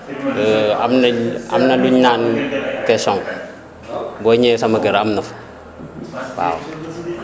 am nañu am na lu ñu naan tesson boo ñëwee sama kër am na fa waaw